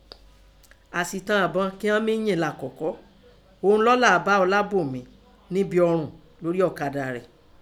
Àṣìta ẹbọn kín ọ́n mí yìn làkọlákọ ọ̀ún lọ́ làa bá Ọlábòmí nẹbin ọrùn lórí ọ̀kadà rẹ̀.